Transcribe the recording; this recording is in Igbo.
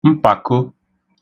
mpako